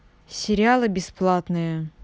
сериалы бесплатные